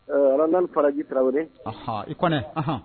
n' faraji tarawele i kɔnɛ